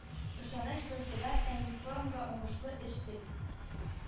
Ышаныч белдерә, фәнни форумга уңышлы эш тели